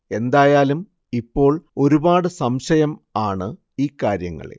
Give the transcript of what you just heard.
എന്തായാലും ഇപ്പോൾ ഒരുപാട് സംശയം ആണ് ഈ കാര്യങ്ങളിൽ